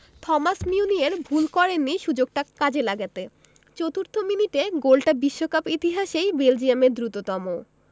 Thomas Meunier ভুল করেননি সুযোগটা কাজে লাগাতে চতুর্থ মিনিটে গোলটা বিশ্বকাপ ইতিহাসেই বেলজিয়ামের দ্রুততম